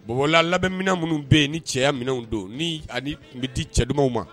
Bonbɔla labɛnmin minnu bɛ yen ni cɛya minnuw don ni ani bɛ di cɛ duman ma